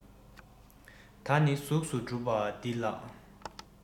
ད ནི གཟུགས སུ གྲུབ པ འདི ལགས